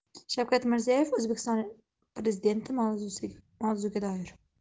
shavkat mirziyoyev o'zbekiston prezidentimavzuga doir